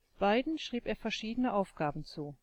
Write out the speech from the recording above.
Beiden schrieb er verschiedene Aufgaben zu